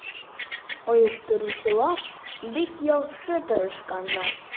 Оештыручылар бик яхшы тырышканнар.